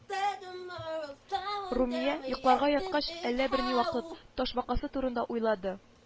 Румия йокларга яткач әллә бер ни вакыт, ташбакасы турында уйлады